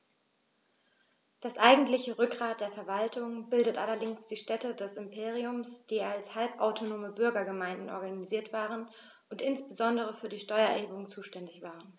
Das eigentliche Rückgrat der Verwaltung bildeten allerdings die Städte des Imperiums, die als halbautonome Bürgergemeinden organisiert waren und insbesondere für die Steuererhebung zuständig waren.